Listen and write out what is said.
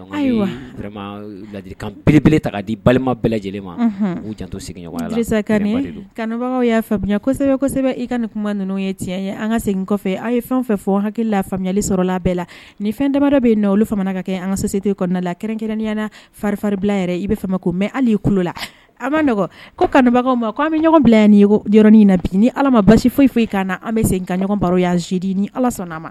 Ayiwa labele ta'a di balima bɛɛ lajɛlen mau tobagaw y'asɛbɛ i ka kuma ninnu ye tiɲɛ an ka segin kɔfɛ aw ye fɛn fɛ fɔ hakililafayali sɔrɔ bɛɛ la nin fɛn dadɔ bɛ olu fana ka kɛ an kasete kɔnɔna la kɛrɛnkɛrɛnyaana farifarin bila yɛrɛ i bɛ ko mɛ hali la a ma nɔgɔ kobaga ma k' an bɛ ɲɔgɔn bila niɔrɔnin in bi ni ala ma basi foyi foyi i ka an bɛ segin ka ɲɔgɔn baro'z zedi ni ala sɔnna' ma